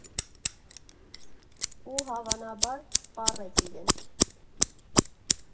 Ու հավանաբար, սպառեց իրեն։